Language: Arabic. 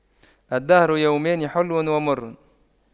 الدهر يومان حلو ومر